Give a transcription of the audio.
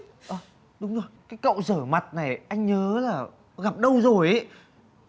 ơ đúng rồi cái cậu giở mặt này anh nhớ là gặp đâu rồi ý